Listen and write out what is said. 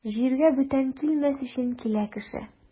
Җиргә бүтән килмәс өчен килә кеше.